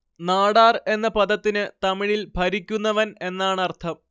നാടാർ എന്ന പദത്തിന് തമിഴിൽ ഭരിക്കുന്നവൻ എന്നാണർഥം